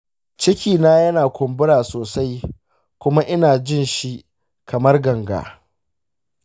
cikina ya kumbura sosai kuma ina jinshi kamar ganga.